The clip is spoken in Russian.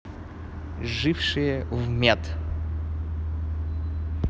жившие в мед